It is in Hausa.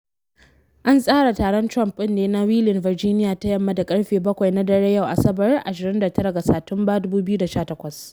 An tsara taron Trump din ne na Wheeling, Virginia ta Yamma da karfe 7 na daren yau Asabar, 29 ga Satumba, 2018.